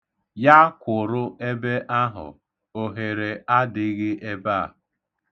Ya kwụrụ ebe ahụ. Ohere adịghị ebe a.